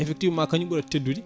effectivement kañum ɓurata teddude